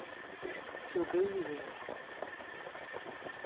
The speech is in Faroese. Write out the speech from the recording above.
tú búði her